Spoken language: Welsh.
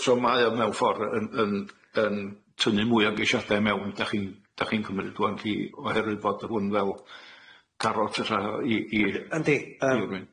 Ia so so mae o mewn ffor yn yn yn tynnu mwy o geishiada mewn dach chi'n dach chi'n cymryd rŵan i oherwydd fod y hwn fel carot ella i i... Yndi... <aneglur.